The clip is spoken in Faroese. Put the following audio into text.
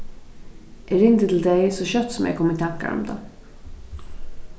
eg ringdi til tey so skjótt sum eg kom í tankar um tað